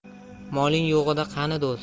moling yo'g'ida qani do'st